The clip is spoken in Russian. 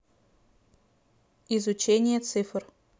изучение цифр